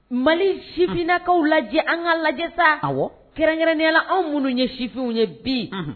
Mali sifininakaw lajɛ an ka lajɛ sa kerɛnkɛrɛnnenyala anw minnu ye sifinw ye bi